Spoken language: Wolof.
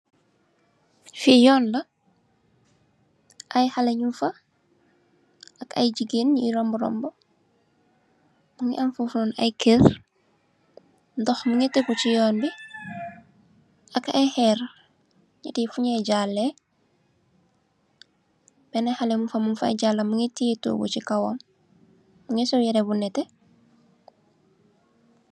Fee yoon la aye haleh nugfa ak aye jegain yuy raubu raubu muge am fofu aye kerr ndox munge tegu se yoon be ak aye herr neet ye fonuy jale bena haleh mungfa mungfa jaleh muge teye toogu se kawam munge sol yere bu neteh.